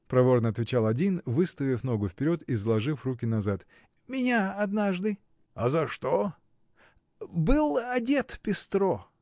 — проворно отвечал один, выставив ногу вперед и заложив руки назад, — меня однажды. — А за что? — Был одет пестро.